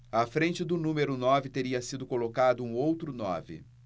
à frente do número nove teria sido colocado um outro nove